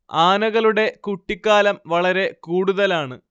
ആനകളുടെ കുട്ടിക്കാലം വളരെ കൂടുതലാണ്